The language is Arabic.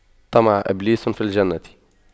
طمع إبليس في الجنة